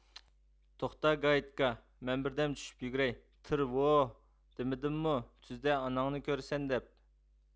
توختا گايىتكا مەن بىردەم چۈشۈپ يۈگۈرەي تىرر ۋوھ دېمىدىممۇ تۈزدە ئاناڭنى كۆرىسەن دەپ